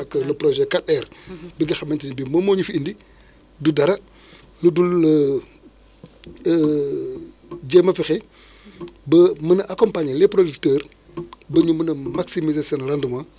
moom mooy rayon infra rouge yi ak kii tàngaay bi ni muy gën a accéléré woo ak yooyu loolu nag bu ko defee nag loolu conséquences yi mooy maanaam day am ay soppeeku